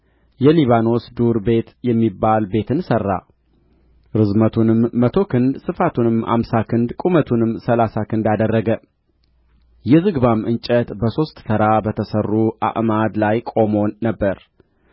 የሊባኖስ ዱር ቤት የሚባል ቤትን ሠራ ርዝመቱንም መቶ ክንድ ስፋቱንም አምሳ ክንድ ቁመቱንም ሠላሳ ክንድ አደረገ የዝግባም እንጨት በሦስት ተራ በተሠሩ አዕማድ ላይ ቆሞ ነበር